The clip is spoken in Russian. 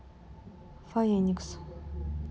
phoenix